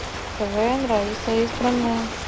квн раиса избранное